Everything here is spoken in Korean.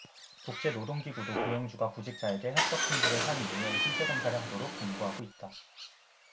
국제노동기구도 고용주가 구직자에게 합격 통보를 한 이후에 신체검사를 하도록 권고하고 있다